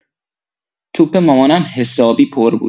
توپ مامانم حسابی پر بود.